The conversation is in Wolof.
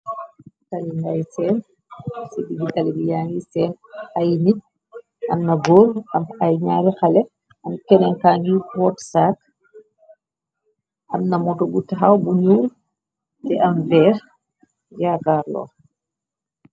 Talingay seen ci digi talibi yaangi sen ay nit am na gor am ay ñaari xale am kenenkangi bit sac am na moto bu taxaw buñu te en veex jaagaarloo.